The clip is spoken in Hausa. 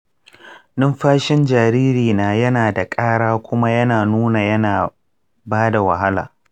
numfashin jaririna yana da ƙara kuma yana nuna yana ba da wahala.